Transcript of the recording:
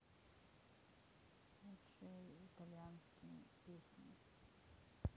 лучшие итальянские песни